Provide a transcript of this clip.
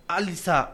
Halisa